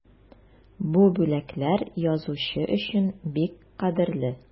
Бу бүләкләр язучы өчен бик кадерле.